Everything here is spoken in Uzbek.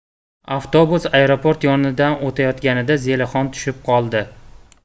avtobus aeroport yonidan o'tayotganida zelixon tushib qoldi